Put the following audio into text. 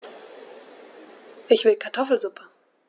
Ich will Kartoffelsuppe.